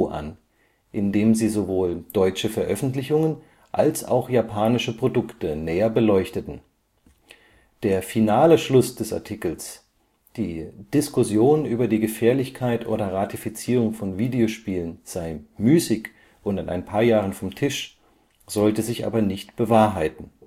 an, in dem sie sowohl deutsche Veröffentlichungen als auch japanische Produkte näher beleuchteten. Der finale Schluss des Artikels „ die Diskussion “(über die Gefährlichkeit oder Ratifizierung von Videospielen) sei „ müßig und in ein paar Jahren vom Tisch “sollte sich aber nicht bewahrheiten